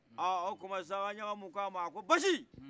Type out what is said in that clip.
aa o tuma sagaɲagamu ko a ma a ko basi